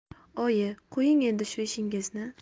oyi qo'ying endi shu ishingizni